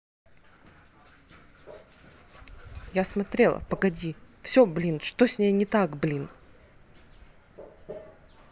я смотрела погоди все блин что с ней не так блин